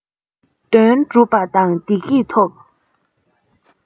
དོན གྲུབ པ དང བདེ སྐྱིད འཐོབ